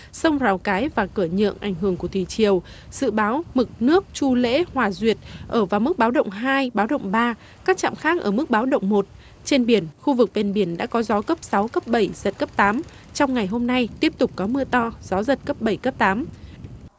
sông rào cái và cửa nhượng ảnh hưởng của thủy triều dự báo mực nước chu lễ hòa duyệt ở vào mức báo động hai báo động ba các trạm khác ở mức báo động một trên biển khu vực ven biển đã có gió cấp sáu cấp bảy giật cấp tám trong ngày hôm nay tiếp tục có mưa to gió giật cấp bảy cấp tám